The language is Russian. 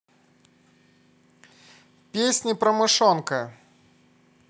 песни про мышонка